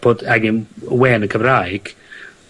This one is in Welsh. bod ag yn y we yn y Cymraeg